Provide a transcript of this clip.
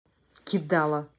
кидала